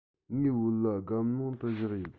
ངའི བོད ལྭ སྒམ ནང དུ བཞག ཡོད